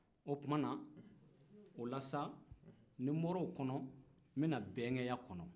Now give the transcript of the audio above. o tuma na o la sa ni n bɔr'o kɔnɔ n bɛ na bɛnkɛya kɔnɔ